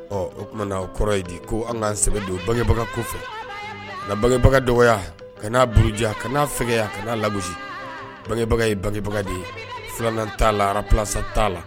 Ɔ o tumaumana na o kɔrɔ ye di ko an k'an sɛbɛn don bangebaga ko kɔfɛ nka bangebaga dɔgɔya ka n'a bolojan ka'a fɛya ka'a labu bangebaga ye bangebaga de ye filanan t'a laralasa t'a la